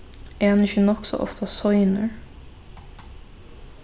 er hann ikki nokk so ofta seinur